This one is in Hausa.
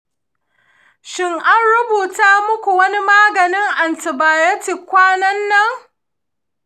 shin an rubuta muku wani maganin antibiotics kwanan nan?